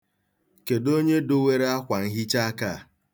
Kedụ onye dowere akwanhichaaka a.